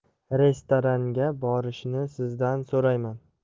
restaranga borishni sizdan so'rayman